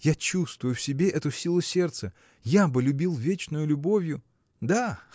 Я чувствую в себе эту силу сердца: я бы любил вечною любовью. – Да!